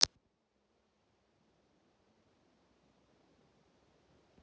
небо в огне восьмая серия